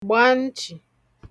gba nchì